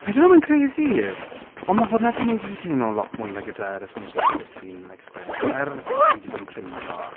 I dunno, mae'n crazy, ond ma' hwnna di neud i fi teimlo'n lot mwy like hyderus am like, sut fi'n like sgrifennu, er fi 'di bod yn crinjo.